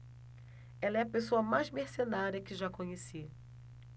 ela é a pessoa mais mercenária que já conheci